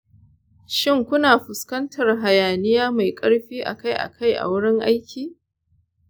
shin kuna fuskantar hayaniya mai ƙarfi akai-akai a wurin aiki?